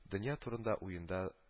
Дөнья турында уенда